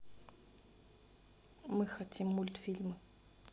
мы хотим мультфильмы